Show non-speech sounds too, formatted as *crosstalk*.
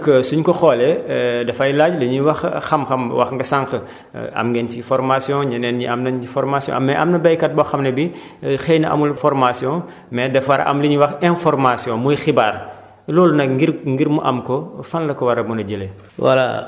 waaye yooyu yëpp nag suñ ko xoolee *hesitation* dafay laal li ñuy wax xam-xam wax nga sànq am nañ ci formation ñeneen ñi am nañ formation am am na béykat boo xam ne bi *breath* xëy na amul formation mais dafa am lu ñuy wax information muy xibaar loolu nag ngir ngir mu am ko fan la ko war a mën a jëlee